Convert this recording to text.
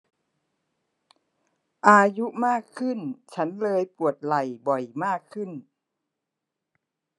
อายุมากขึ้นฉันเลยปวดไหล่บ่อยมากขึ้น